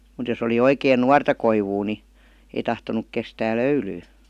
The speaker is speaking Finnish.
mutta jos oli oikein nuorta koivua niin ei tahtonut kestää löylyä